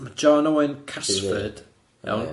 Ma' John Owen Casford iawn?